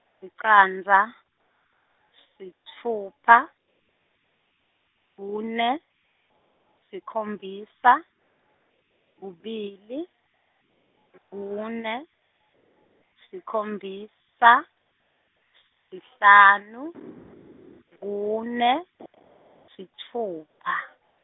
licandza, sitfupha, kune, sikhombisa, kubili, kune, sikhombisa, sihlanu , kune, sitfupha.